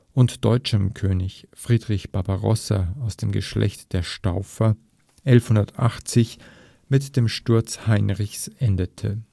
und deutschem König Friedrich Barbarossa aus dem Geschlecht der Staufer 1180 mit dem Sturz Heinrichs endete